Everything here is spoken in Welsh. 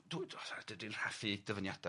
dwi dwi'n raffu dyfyniada